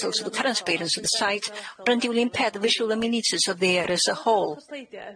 so the current appearance of the site, will impair the visual of there as a whole.